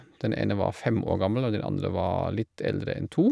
Den ene var fem år gammel, og den andre var litt eldre enn to.